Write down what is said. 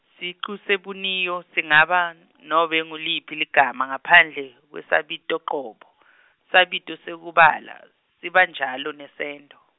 sicu sebuniyo singaba, nobe nguliphi ligama ngaphandle, kwesabitocobo , sabito sekubala, sibanjalo nesento.